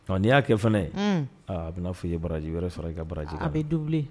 Nka n'i y'a kɛ fana, un, aa a bɛna fɔ i ye baraji wɛrɛ sɔrɔ i ka baraji kan a bɛ doublé